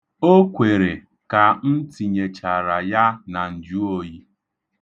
O kwere ka m tinyechara ya na njụoyi.